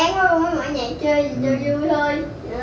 chán quá nên con mới mở nhạc lên cho vui thôi